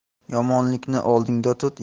yomonlikni oldingda tut